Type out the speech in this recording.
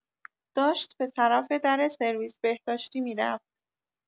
داشت به‌طرف در سرویس بهداشتی می‌رفت.